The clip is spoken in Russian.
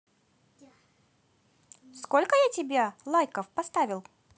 сколько я тебя лайков поставил